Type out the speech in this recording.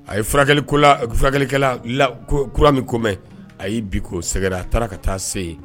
A ye furakɛliko furakɛlikɛla la kura min ko mɛn a y' biko sɛ a taara ka taa se yen